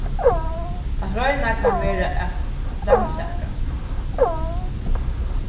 at royna kann vera at rannsaka